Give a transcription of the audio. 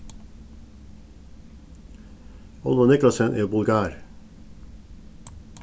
ólavur niclasen er bulgari